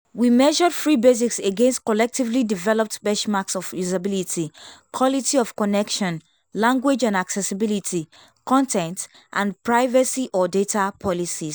We measured Free Basics against collectively-developed benchmarks of usability, quality of connection, language and accessibility, content, and privacy/data policies.